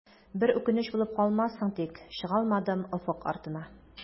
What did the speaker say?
Бер үкенеч булып калмассың тик, чыгалмадым офык артына.